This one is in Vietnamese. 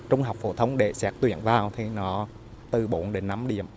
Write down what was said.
trung học phổ thông để xét tuyển vào thì nó từ bốn đến năm điểm